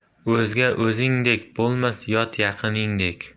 o'zga o'zingdek bo'lmas yot yaqiningdek